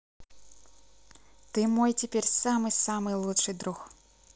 ты мой теперь самый самый лучший друг